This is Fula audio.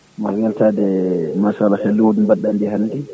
wona weeltade machallah e lowdi ndi gadduɗa ndi hande